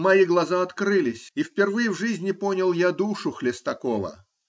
Мои глаза открылись, и впервые в жизни понял я душу Хлестакова.